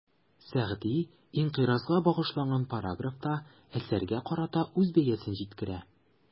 Сәгъди «инкыйраз»га багышланган параграфта, әсәргә карата үз бәясен җиткерә.